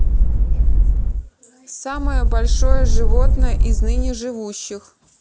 самое большое животное из ныне живущих